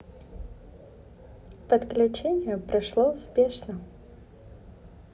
подключение прошло успешно